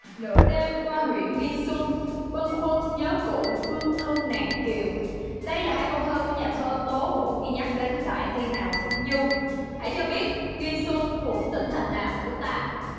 nửa đêm qua huyện nghi xuân bâng khuâng nhớ cũ thương thân nàng kiều đây là hai câu thơ của nhà thơ tố hữu khi nhắc đến đại thi hào nguyễn du hãy cho biết nghi xuân thuộc tỉnh thành nào của nước ta